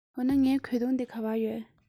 འོ ན ངའི གོས ཐུང དེ ག པར ཡོད